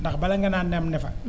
ndax bala nga naan naam ne fa